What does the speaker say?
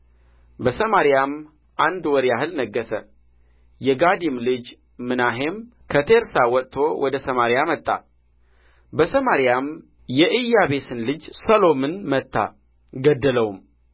በሰማርያም አንድ ወር ያህል ነገሠ የጋዲም ልጅ ምናሔም ከቴርሳ ወጥቶ ወደ ሰማርያ መጣ በሰማርያም የኢያቤስን ልጅ ሰሎምን መታ ገደለውም